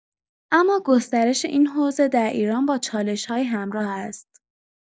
اما گسترش این حوزه در ایران با چالش‌هایی همراه است.